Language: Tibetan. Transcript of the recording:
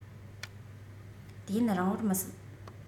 དུས ཡུན རིང བོར མི སྲིད